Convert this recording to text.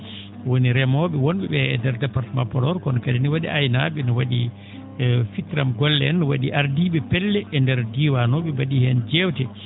woni remoo?e won?e ?e e ndeer département Podor kono kadi ne wa?i aynaa?e no wa?i fitnam golle en no wa?i ardii?e pelle e ndeer diiwaan o ?e mba?ii heen jeewte